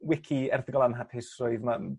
wici erthygl am hapusrwydd ma'